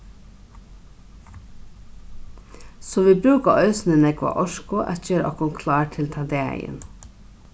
so vit brúka eisini nógva orku at gera okkum klár til tann dagin